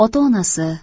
ota onasi